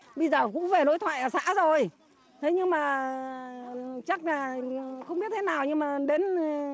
bây giờ cũng về đối thoại ở xã rồi thế nhưng mà chắc là không biết thế nào nhưng mà đến